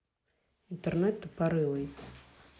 интернет тупорылый